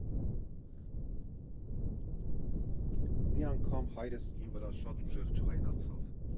Մի անգամ հայրս իմ վրա շատ ուժեղ ջղայնացավ։